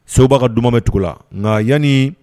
Soba ka duman bɛ tugu onla la nka yani